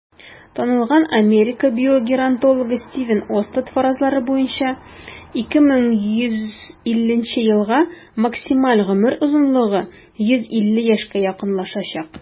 Танылган Америка биогеронтологы Стивен Остад фаразлары буенча, 2150 елга максималь гомер озынлыгы 150 яшькә якынлашачак.